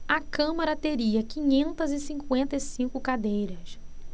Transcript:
a câmara teria quinhentas e cinquenta e cinco cadeiras